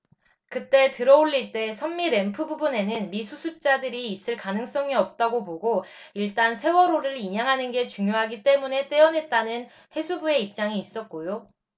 그때 들어올릴 때 선미 램프 부분에는 미수습자들이 있을 가능성이 없다고 보고 일단 세월호를 인양하는 게 중요하기 때문에 떼어냈다는 해수부의 입장이 있었고요